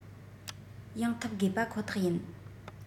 ཡང ཐུབ དགོས པ ཁོ ཐག ཡིན